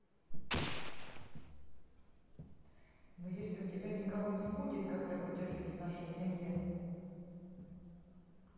ну если у тебя никого не будет когда будешь жить в нашей семье